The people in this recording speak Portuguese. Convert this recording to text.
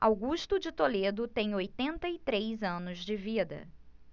augusto de toledo tem oitenta e três anos de vida